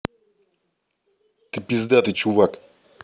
ты пиздатый чувак